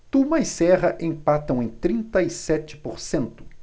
tuma e serra empatam em trinta e sete por cento